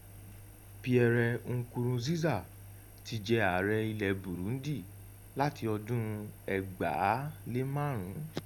Pierre Nkurunziza ti jẹ ààrẹ ilẹ̀ Burundi láti ọdún 2005.